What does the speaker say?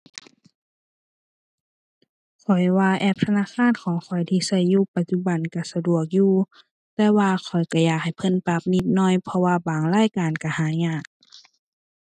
ข้อยว่าแอปธนาคารของข้อยที่ใช้อยู่ปัจจุบันใช้สะดวกอยู่ แต่ว่าข้อยใช้อยากให้เพิ่นปรับนิดหน่อย เพราะว่าบางรายการใช้หายาก